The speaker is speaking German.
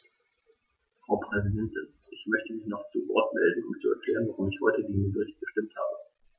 Frau Präsidentin, ich möchte mich zu Wort melden, um zu erklären, warum ich heute gegen den Bericht gestimmt habe.